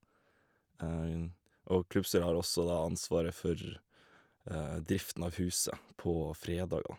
Og Klubbstyret har også da ansvaret for driften av huset på fredager.